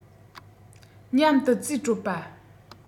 མཉམ དུ རྩིས སྤྲོད པ